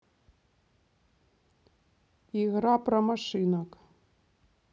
игра про машинок